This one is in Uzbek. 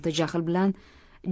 marta jahl bilan